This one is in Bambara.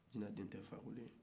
jina den tɛ fakoli ye